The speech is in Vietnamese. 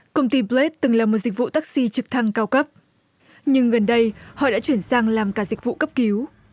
công ty pờ lết từng là một dịch vụ tắc xi trực thăng cao cấp nhưng gần đây họ đã chuyển sang làm cả dịch vụ cấp cứu